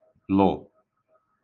lụ̀